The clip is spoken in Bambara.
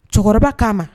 Cɛkɔrɔba k'a ma